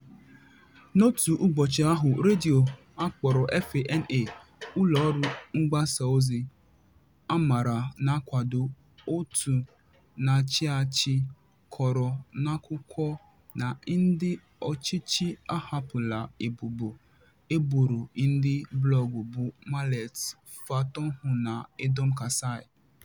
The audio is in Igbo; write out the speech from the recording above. N'otu ụbọchị ahụ Radio FANA, ụlọọrụ mgbasaozi a maara na-akwado òtù na-achị achị, kọrọ n'akụkọ na ndị ọchịchị ahapụla ebubo e boro ndị blọọgụ bụ Mahlet Fantahun na Edom Kassaye.